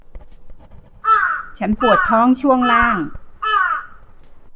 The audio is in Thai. ฉันปวดท้องช่วงล่าง